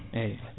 eyyi